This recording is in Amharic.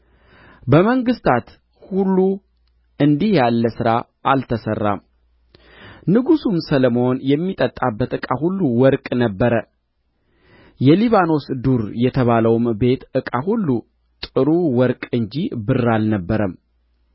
በመንግሥታት ሁሉ እንዲህ ያለ ሥራ አልተሠራም ንጉሡም ሰሎሞን የሚጠጣበት ዕቃ ሁሉ ወርቅ ነበረ የሊባኖስ ዱር የተባለውም ቤት ዕቃ ሁሉ ጥሩ ወርቅ እንጂ ብር አልነበረም